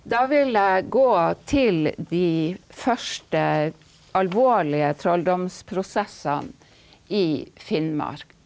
da vil jeg gå til de første alvorlige trolldomsprosessene i Finnmark.